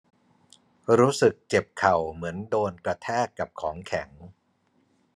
รู้สึกเจ็บเข่าเหมือนโดนกระแทกกับของแข็ง